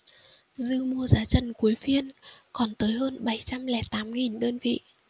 dư mua giá trần cuối phiên còn tới hơn bảy trăm lẻ tám nghìn đơn vị